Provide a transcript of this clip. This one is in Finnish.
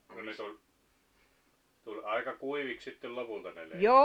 no ne tuli tuli aika kuiviksi sitten lopulta ne leivät